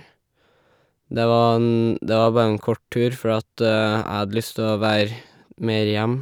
det var en Det var bare en kort tur fordi at jeg hadde lyst å være mer hjemme.